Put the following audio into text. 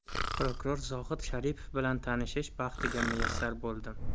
prokuror zohid sharipov bilan tanishish baxtiga muyassar bo'ldim